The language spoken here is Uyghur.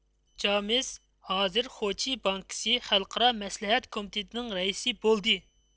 جامېس ھازىر خۇچىي بانكىسى خەلقئارا مەسلىھەت كومىتېتىنىڭ رەئىسى بولدى